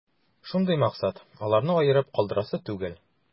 Шундый максат: аларны аерып калдырасы түгел.